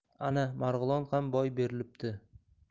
ana marg'ilon ham boy berilibdi